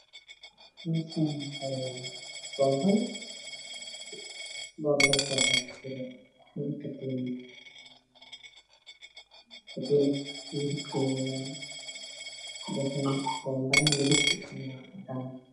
Mashan waxaa yalo bobilo waxaa surana katinad kalar kedo waa dahabi bobildu waa cadan